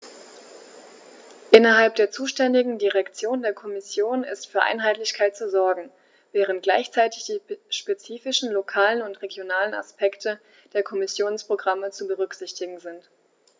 Innerhalb der zuständigen Direktion der Kommission ist für Einheitlichkeit zu sorgen, während gleichzeitig die spezifischen lokalen und regionalen Aspekte der Kommissionsprogramme zu berücksichtigen sind.